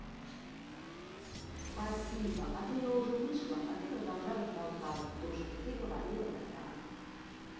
спасибо а то я уже вышла а ты продолжаешь болтать то что ты говорила тогда